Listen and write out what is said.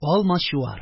АЛМАЧУАР